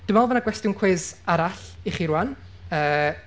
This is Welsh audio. Dwi'n meddwl bod 'na gwestiwn cwis arall i chi rŵan yy,